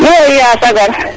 miyo mi Ya sagar